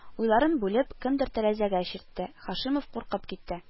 Уйларын бүлеп, кемдер тәрәзәгә чиртте, Һашимов куркып китте